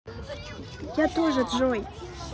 я тоже джой